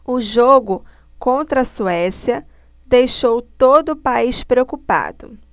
o jogo contra a suécia deixou todo o país preocupado